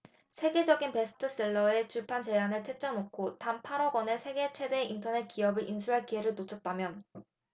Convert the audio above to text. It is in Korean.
세계적인 베스트셀러의 출판 제안을 퇴짜놓고 단 팔 억 원에 세계 최대 인터넷 기업을 인수할 기회를 놓쳤다면